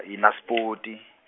iNaspoti.